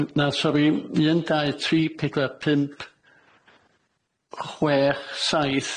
Wel n- n- na sori un dau tri pedwar pump chwech saith.